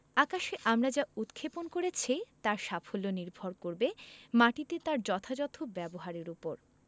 আকাশে আমরা যা উৎক্ষেপণ করেছি তার সাফল্য নির্ভর করবে মাটিতে তার যথাযথ ব্যবহারের ওপর